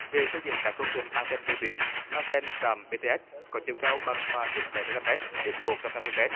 về xây dựng các công trình ăng ten vô tuyến ăng ten trạm bê tê ét có chiều cao bằng và trên bảy mươi lăm mét đến một trăm năm mươi mét